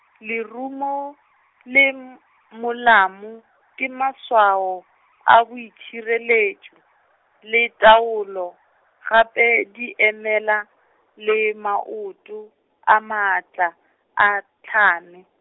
lerumo, le m- molamo, ke maswao, a boitšhireletšo, le taolo, gape di emela le maoto, a maatla, a tlhame.